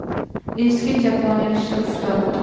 eski choponli kishi uf tortdi